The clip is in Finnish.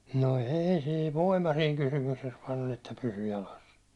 no ei siinä voima siinä kysymyksessä vain oli että pysyi jalassa